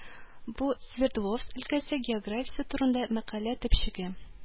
Бу Свердловск өлкәсе географиясе турында мәкалә төпчеге